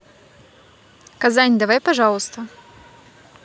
казань давай пожалуйста